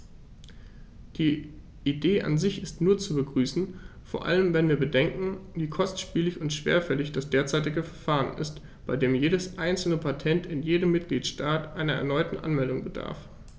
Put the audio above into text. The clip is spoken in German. Die Idee an sich ist nur zu begrüßen, vor allem wenn wir bedenken, wie kostspielig und schwerfällig das derzeitige Verfahren ist, bei dem jedes einzelne Patent in jedem Mitgliedstaat einer erneuten Anmeldung bedarf.